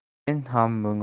men ham bunga